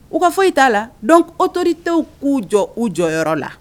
U ka fɔ i t'a la dɔn oto tɛw k'u jɔ u jɔyɔrɔyɔrɔ la